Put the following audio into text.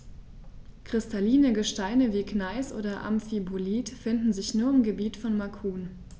Kristalline Gesteine wie Gneis oder Amphibolit finden sich nur im Gebiet von Macun.